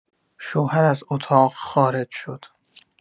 شوهر از اتاق خارج شد.